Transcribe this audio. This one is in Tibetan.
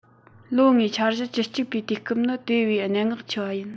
ལོ ལྔའི འཆར གཞི བཅུ གཅིག པའི དུས སྐབས ནི དེ བས གནད འགག ཆེ བ ཡིན